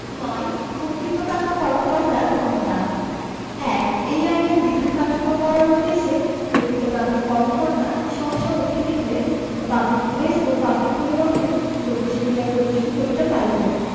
৯ কর্তৃত্বপ্রাপ্ত কর্মকর্তার ক্ষমতা ১ এই আইনের বিধান কার্যকর করার উদ্দেশ্যে কর্তৃত্বপ্রাপ্ত কর্মকর্তা স্ব স্ব অধিক্ষেত্রে কোন পাবলিক প্লেস ও পাবলিক পরিবহণে প্রবেশ করিয়া পরিদর্শন করিতে পারিবেন